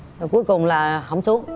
rồi cuối cùng là không xuống